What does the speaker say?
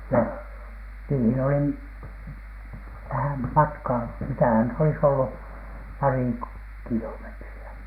ja niihin oli vähän matkaa mitähän nyt olisi ollut pari - kilometriä